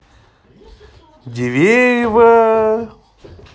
дивеево